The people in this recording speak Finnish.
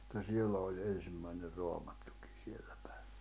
että siellä oli ensimmäinen Raamattukin siellä päin